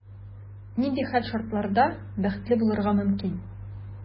Нинди хәл-шартларда бәхетле булырга мөмкин?